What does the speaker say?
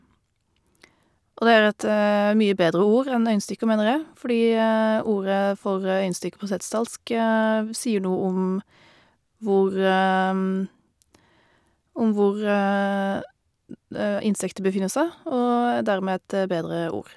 Og det er et mye bedre ord enn øyenstikker, mener jeg, fordi ordet for øyenstikker på setesdalsk v sier noe om hvor om hvor insektet befinner seg, og er dermed et bedre ord.